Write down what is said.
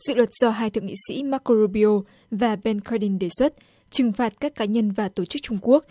dự luật do hai thượng nghị sĩ mác cô ru bi ô và ben cờ ruýt đinh đề xuất trừng phạt các cá nhân và tổ chức trung quốc